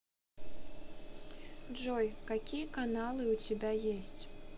джой какие каналы у тебя есть